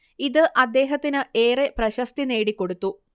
ഇത് അദ്ദേഹത്തിന് ഏറെ പ്രശസ്തി നേടിക്കൊടുത്തു